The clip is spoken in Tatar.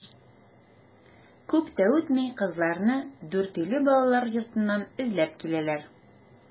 Күп тә үтми кызларны Дүртөйле балалар йортыннан эзләп киләләр.